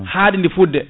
haɗidi fudde